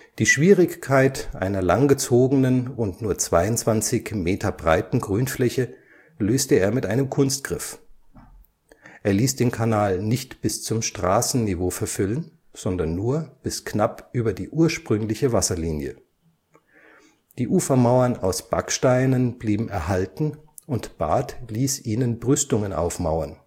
Die Schwierigkeit einer lang gezogenen und nur 22 Meter breiten Grünfläche löste er mit einem Kunstgriff: er ließ den Kanal nicht bis zum Straßenniveau verfüllen, sondern nur bis knapp über die ursprüngliche Wasserlinie. Die Ufermauern aus Backsteinen blieben erhalten und Barth ließ ihnen Brüstungen aufmauern